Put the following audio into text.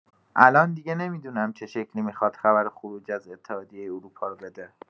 الان دیگه نمی‌دونم چه شکلی میخواد خبر خروج از اتحادیه اروپا رو بده.